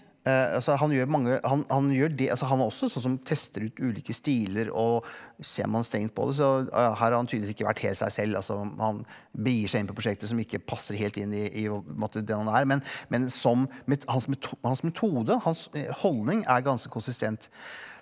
altså han gjør mange han han gjør det altså han er også sånn som tester ut ulike stiler og og ser man strengt på det så å ja her har han tydeligvis ikke vært helt seg selv altså han han begir seg inn på prosjekter som ikke passer helt inn i i å på en måte den han er men men som hans hans metode hans holdning er ganske konsistent.